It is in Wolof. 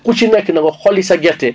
ku si nekk na nga xolli sa gerte